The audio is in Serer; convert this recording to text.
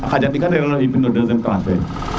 a xaja ɗika ndera le o yipin no deuxieme tranche fe